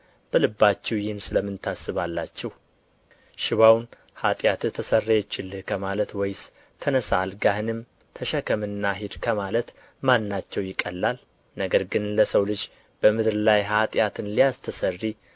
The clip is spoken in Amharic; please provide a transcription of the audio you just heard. በልባችሁ ይህን ስለ ምን ታስባላችሁ ሽባውን ኃጢአትህ ተሰረየችልህ ከማለት ወይስ ተነሣ አልጋህንም ተሸከምና ሂድ ከማለት ማናቸው ይቀላል ነገር ግን ለሰው ልጅ በምድር ላይ ኃጢአትን ሊያስተሰርይ